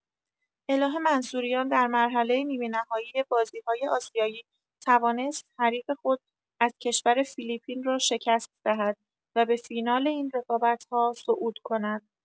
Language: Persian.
الهه منصوریان در مرحله نیمه‌نهایی بازی‌های آسیایی توانست حریف خود از کشور فیلیپین را شکست دهد و به فینال این رقابت‌ها صعود کند.